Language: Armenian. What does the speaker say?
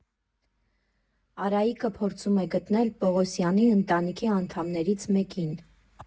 Արայիկը փորձում է գտնել Պողոսյանի ընտանիքի անդամներից մեկին։